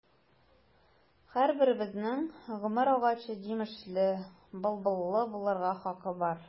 Һәрберебезнең гомер агачы җимешле, былбыллы булырга хакы бар.